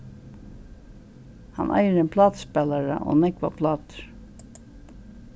hann eigur ein plátuspælara og nógvar plátur